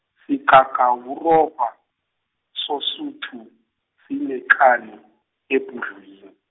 sigagawuroba, soSuthu, sinekani, ebhudwini.